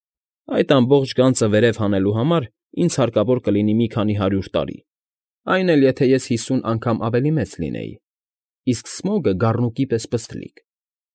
Այդ ամբողջ գանձը վերև հանելու համար ինձ հարկավոր կլիներ մի քանի հարյուր տարի, այն էլ եթե ես հիսուն անգամ ավելի մեծ լինեի, իսկ Սմոգը՝ գառնուկի պես պստլիկ։